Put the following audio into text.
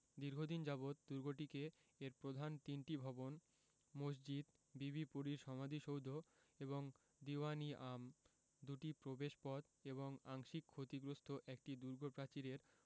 দীর্ঘদিন যাবৎ দুর্গটিকে এর প্রধান তিনটি ভবন মসজিদ বিবি পরীর সমাধিসৌধ এবং দীউয়ান ই আম দুটি প্রবেশপথ এবং আংশিক ক্ষতিগ্রস্ত একটি দুর্গ প্রাচীরের